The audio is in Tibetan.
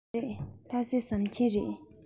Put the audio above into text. མ རེད ལྷ སའི ཟམ ཆེན རེད